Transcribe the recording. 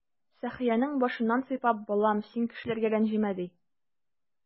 Сәхиянең башыннан сыйпап: "Балам, син кешеләргә рәнҗемә",— ди.